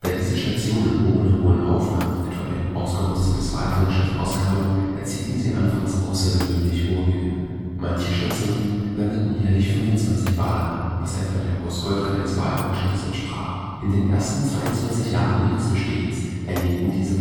diese Stationen ohne hohen Aufwand – etwa ein ausgerüstetes Walfangschiff – auskamen, erzielten sie anfangs außergewöhnlich hohe Gewinne. Manche Stationen landeten jährlich 25 Wale an, was etwa der Ausbeute eines Walfangschiffes entsprach. In den ersten 22 Jahren ihres Bestehens erlegten diese